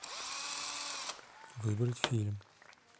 выбрать фильм